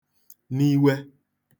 niwe